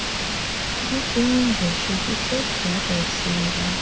дикий ангел шестьдесят пятая серия